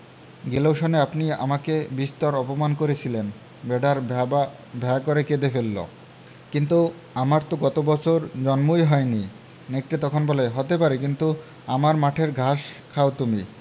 গেল সনে আপনি আমাকে বিস্তর অপমান করেছিলেন ভেড়াটা ভ্যাঁ করে কেঁদে ফেলল কিন্তু আমার তো গত বছর জন্মই হয়নি নেকড়েটা তখন বলে হতে পারে কিন্তু আমার মাঠের ঘাস খাও তুমি